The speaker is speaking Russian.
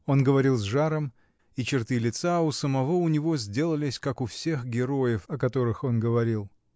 Он говорил с жаром, и черты лица у самого у него сделались как у тех героев, о которых он говорил.